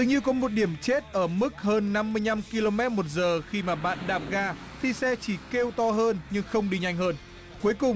như có một điểm chết ở mức hơn năm mươi nhăm ki lô mét một giờ khi mà bạn đạp ga khi xe chỉ kêu to hơn nhưng không đi nhanh hơn cuối cùng